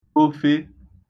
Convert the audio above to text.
ofe